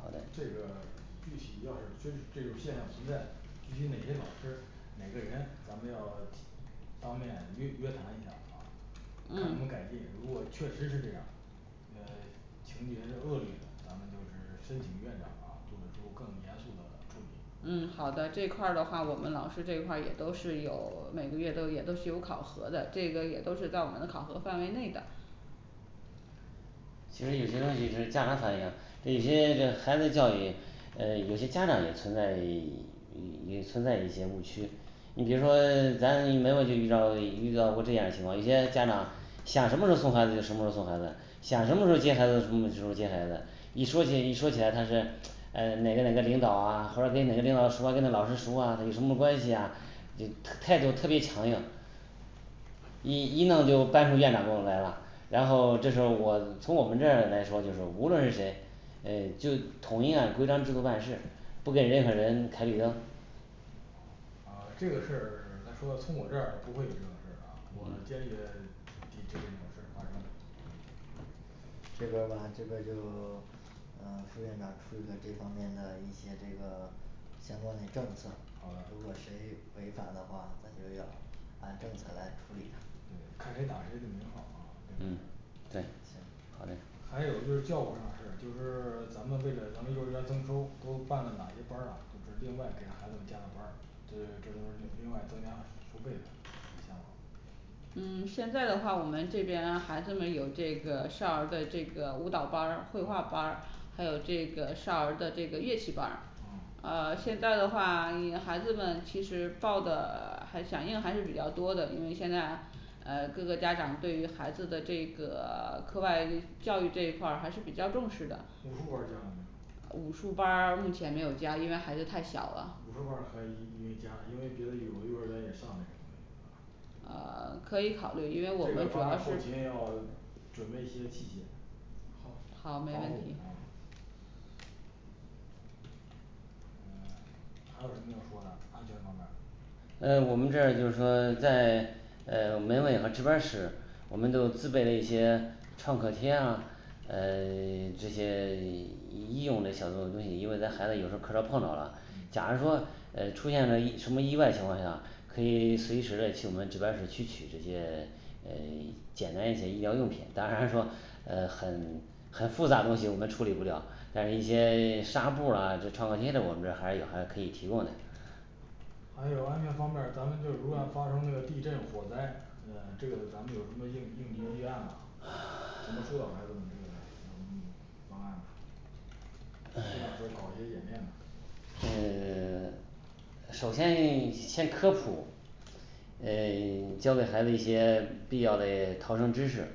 好嘞这个具体要是真是这种现象存在，具体哪些老师哪个人咱们要这 当面约约谈一下儿啊看他们嗯改进，如果确实是这样呃情节是恶劣的，咱们就是申请院长啊做出更严肃的处理嗯好的这块儿的话，我们老师这块儿也都是有 每个月都也都是有考核的，这个也都是在我们的考核范围内的。其实有些东西是家长反映，有些这孩子教育，呃有些家长也存在 一也存在一些误区，你比如说咱没有遇着过遇到过这样的情况，有些家长想什么时候儿送孩子就什么时候儿送孩子想什么时候儿接孩子，什么时候儿接孩子，一说起一说起来他是啊哪个哪个领导啊，或者跟哪个领导熟，跟那老师熟啊有什么关系呀，你态度特别强硬一一弄就搬出院长跟我来了。然后这时候我从我们这儿来说，就是无论是谁，嗯就统一按规章制度办事，不给任何人开绿灯呃这个事儿来说，从我这儿不会有这种事儿，我坚决抵制这种事儿发生。 嗯这边儿吧这边儿就 呃副院长出一个这方面的一些这个相关类政策好的如果谁违反的话，那就要按政策来处理他对看谁打谁的名号儿嗯这个嗯事儿对行好嘞还有就是教务上事儿，就是咱们为了咱们幼儿园增收都办了哪些班儿啊，就是另外给孩子们加的班儿，这这都是另外增加收费的项目儿嗯现在的话我们这边孩子们有这个少儿的这个舞蹈班儿、绘画班儿，还有这个少儿的乐器班儿嗯呃现在的话嗯孩子们其实报的 还响应还是比较多的，因为现在嗯各个家长对于孩子的这个 课外教育这一块儿还是比较重视的武术班儿加了没有呃武术班儿目前没有加，因为孩子太小了武术班儿还一 没有加，因为别的有的幼儿园也上那个东西啊嗯 可以考虑，因这为我们个主方要案是后勤要准备一些器械好好防护没问嗯题嗯 还有什么要说的？安全方面儿。嗯假如说呃出现了意什么意外情况下可以 随时的去我们值班儿室去取这些呃 简单一些医疗用品，当然说呃很很复杂东西我们处理不了，但是一些 纱布啦这创可贴的我们这还是有还是可以提供的还有安全方面儿，咱们就是如果要发生那个地震火灾，嗯这咱们有什么应应急预案吗？怎么疏导孩子们这个这嗯方案呢？这样说搞一些演练呢嗯 首先先科普嗯 教给孩子一些必要嘞逃生知识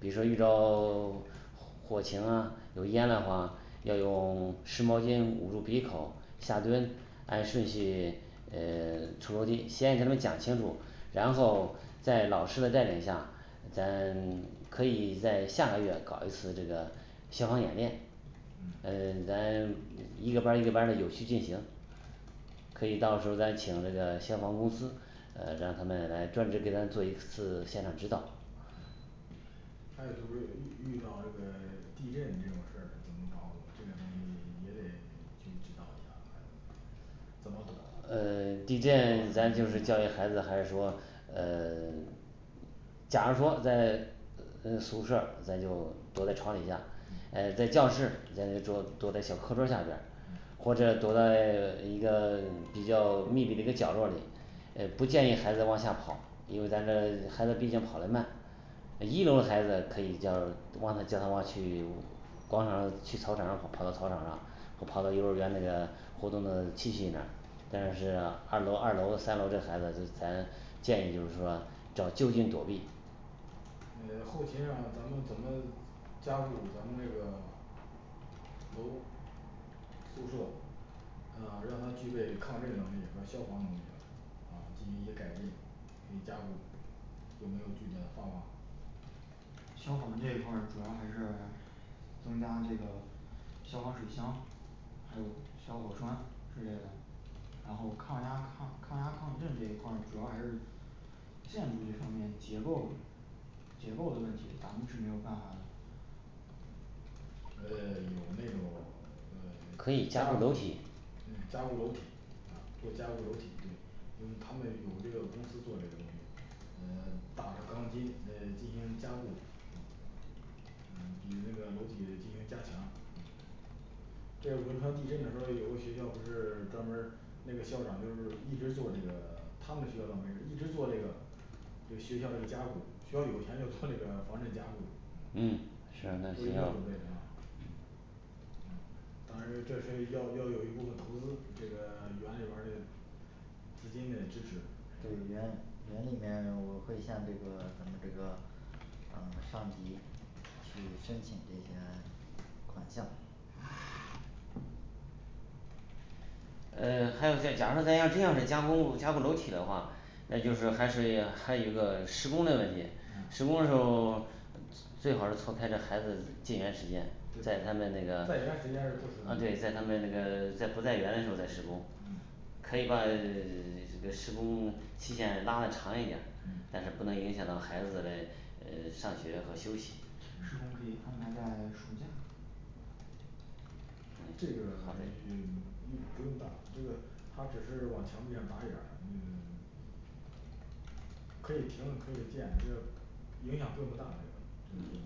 比如说遇着 火情啊有烟的话，要用湿毛巾捂住鼻口下蹲，按顺序嗯 出去先给他们讲清楚。然后在老师的带领下，咱 可以在下个月搞一次这个消防演练，嗯嗯咱一个班儿一个班儿的有序进行可以到时候再请这个消防公司呃让他们来专职给咱做一次现场指导。还有就是有遇遇到这个 地震这种事儿怎么保护，这个东西也得去指导一下孩子们。怎么躲嗯 地震咱就是教育孩子还是说嗯 假如说在呃嗯宿舍儿，咱就躲在床底下，哎在教室咱躲躲在小课桌下边儿，嗯或者躲到一个比较密闭的角落儿里嗯不建议孩子往下跑，因为咱这孩子毕竟跑得慢，呃一楼的孩子可以叫往他叫他往去广场上去操场上跑到操场上，或跑到幼儿园那个活动的器械那儿但是呢二楼二楼三楼这孩子，就咱建议就是说找就近躲避消防这一块儿主要还是增加这个消防水箱，还有消火栓之类的。然后抗压抗抗压抗震这一块儿主要还是建筑这方面结构，结构的问题，咱们是没有办法的呃有那种 呃可以加固楼梯嗯加固楼体啊，做加固楼体对用他们有这个公司做这个东西，呃打上钢筋嗯进行加固，嗯比那个楼体进行加强。在汶川地震的时候，有个学校不是 专门儿那个校长就是一直做，这个 他们的学校倒没事一直做这个这个学校这个加固，学校有钱就做这个防震加固 嗯是啊做一那就定需准备啊要当然这是要要有一部分投资这个 园里边儿的资金的支持对园园里面儿，我会向这个咱们这个嗯上级去申请这些款项。嗯还要再假如说咱要真要是加工加固楼体的话，那就是还是还有一个施工的问题，嗯施工的时候儿最好是错开这孩子进园时间就在他们那对个在园的时间是不施工啊对在的他们这个在不在园的时候儿再施工嗯可以把 这个施工期限拉的长一点儿，嗯但是不能影响到孩子们的呃上学和休息嗯施工可以安排在暑假嗯这个也也不用打，这个他只是往墙壁上打眼儿嗯可以停可以建，这个影响并不大这个这个施工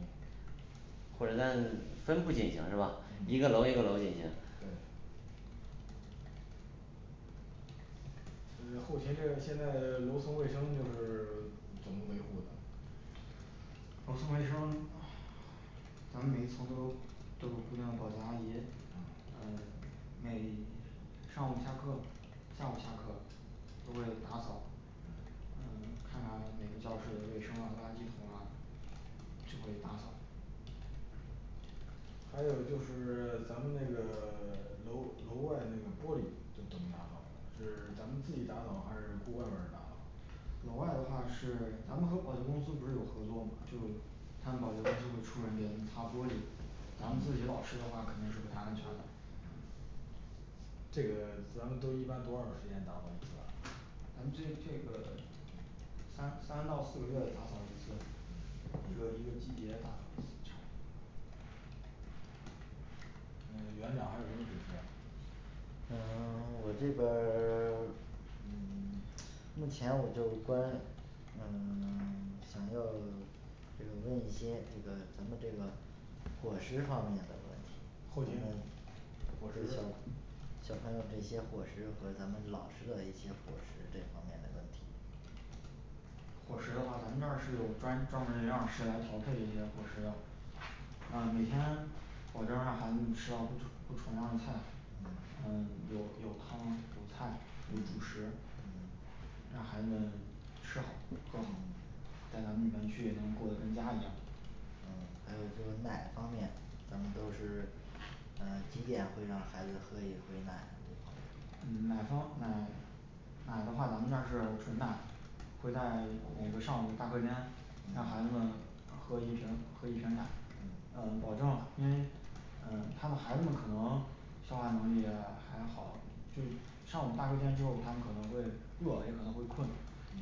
或者咱分布进行是吧嗯一个楼一个楼进行对嗯后勤这个，现在楼层卫生就是 怎么维护的楼层卫生咱每一层都都有固定的保洁阿姨嗯嗯每上午下课，下午下课，都会打扫嗯呃看看每个教室的卫生啊垃圾桶啊就会打扫还有就是咱们那个 楼楼外那个玻璃都怎么打扫的，是咱们自己打扫还是雇外边儿人儿打扫？这个 咱们都一般多少时间打扫一次啊？咱们这这个三三到四个月打扫一次，嗯一个一个季节打的差不多呃园长还有什么指示？嗯 我这边儿 嗯目前我就关嗯 想要这个问一些这个咱们这个伙食方面的问题，后勤伙嗯食小小朋友这些伙食和咱们老师的一些伙食这方面的问题伙食的话咱们这儿是有专专门儿营养师来调配这些伙食的，呃每天保证让孩子们吃到不同 不重样的菜，嗯嗯有有汤、有菜、有主食嗯让孩子们吃好喝好嗯在咱们园区也能过得跟家一样呃还有就是奶方面？咱们都是呃几点会让孩子喝一回奶就是嗯奶方奶，奶的话咱们这儿是纯奶，会在每个上午的大课间，让孩子们呃喝一瓶儿喝一瓶儿奶，嗯然后保证了因为嗯他们孩子们可能消化能力还还好就上午大课间之后他们可能会饿了，也可能会困，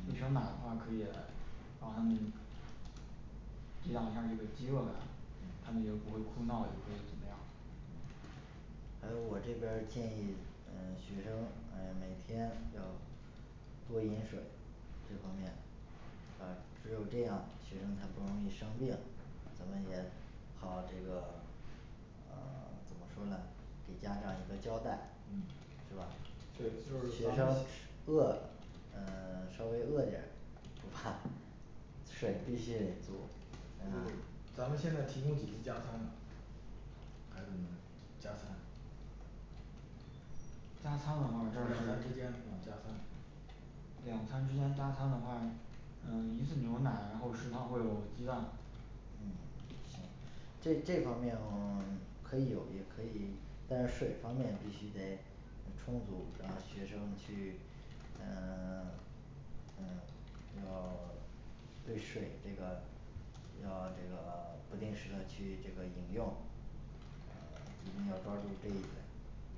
一瓶嗯奶的话可以让他们抵挡一下这个饥饿感，他嗯们也不会哭闹，也不会怎么样嗯还有我这边儿建议嗯学生还要每天要多饮水，这方面呃只有这样学生才不容易生病，咱们也好这个 嗯 怎么说呢？给家长一个交代，嗯是吧学生饿了嗯 稍微饿点儿，不怕，水必须得多对嗯咱们现在提供几次加餐呢孩子们的这加餐加餐的话两，这儿是餐之间嗯加餐两餐之间加餐的话，嗯一次牛奶，然后食堂会有鸡蛋嗯行。这这方面的话可以有也可以，但是水方面必须得嗯充足，然后学生去嗯 嗯要 对水这个要这个 不定时的去这个饮用，呃一定要抓住这一点儿。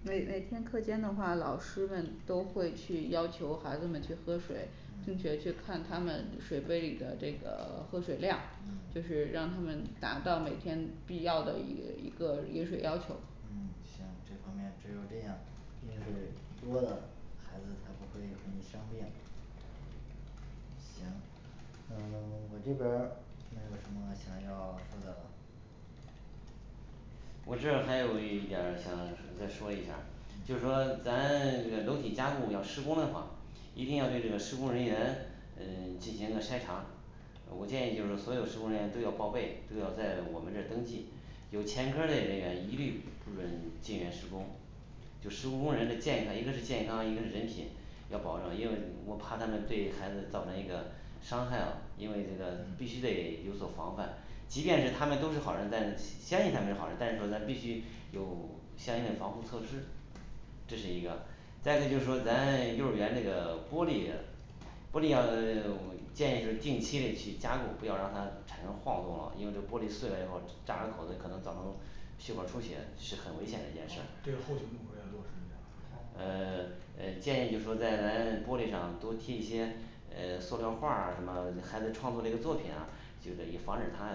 每每天课间的话，老师们都会去要求孩子们去喝水，并且嗯去看他们水杯里的这个 喝水量，嗯就是让他们达到每天必要的一一个饮水要求嗯行，这方面只有这样，饮水多的孩子才不会容易生病。行嗯 我这边儿没有什么想要说的了我这还有一点儿想再说一下儿，就是嗯说咱这个楼体加固要施工的话，一定要对这个施工人员呃 进行一个筛查呃我建议就是所有施工人员都要报备，都要在我们这儿登记，有前科儿的人员一律不准进园施工，就施工工人的健康，一个是健康，一个是人品。要保证，因为我怕他们对孩子造成一个伤害了，因为这个必嗯须得有所防范，即便是他们都是好人，咱相信他们是好人，但是说咱必须有相应的防护措施血管儿出血是很危险的一件事嗯儿这个后勤部门儿要落实一下好嗯 嗯建议就是说在咱玻璃上多贴一些嗯塑料画儿，什么孩子创作这个作品啊，就等于防止它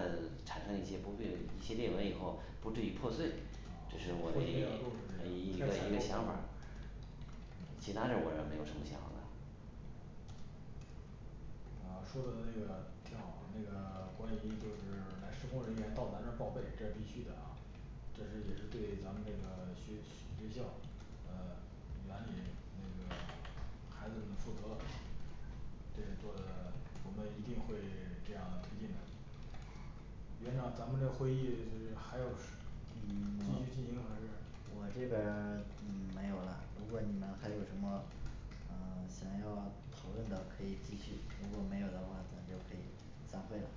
产生一些不会一些裂纹以后不至于破碎这是我的一一个一个想法儿嗯其他的我这儿没有什么想法嗯说的那个挺好，那个关于就是来施工人员到咱这报备，这是必须的啊这是也是对咱们这个 学学校呃园里那个 孩子们负责在座的我们一定会 这样推进的园长咱们这会议就是还有继嗯续进行，还是我这边儿 嗯没有了，如果你们还有什么呃想要讨论的可以继续，如果没有的话，咱们就可以散会了。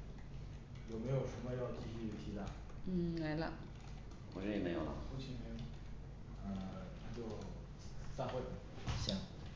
有没有什么要继续提的嗯没了我这也没有了后勤没有嗯那就散会行